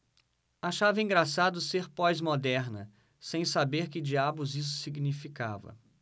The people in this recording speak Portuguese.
achava engraçado ser pós-moderna sem saber que diabos isso significava